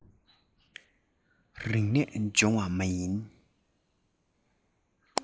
རིག གནས སྦྱོང བ མ ཡིན